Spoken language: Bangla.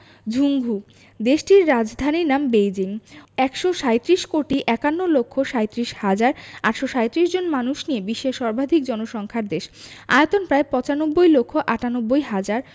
ঝুংঘু দেশটির রাজধানীর নাম বেইজিং ১৩৭ কোটি ৫১ লক্ষ ৩৭ হাজার ৮৩৭ জন মানুষ নিয়ে বিশ্বের সর্বাধিক জনসংখ্যার দেশ আয়তন প্রায় ৯৫ লক্ষ ৯৮ হাজার